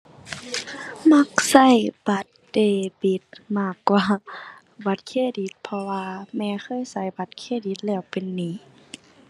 มักใช้บัตรเดบิตมากกว่าบัตรเครดิต เพราะว่าแม่เคยใช้บัตรเครดิตแล้วเป็นหนี้